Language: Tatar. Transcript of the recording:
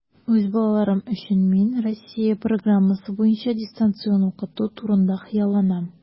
Үз балаларым өчен мин Россия программасы буенча дистанцион укыту турында хыялланам.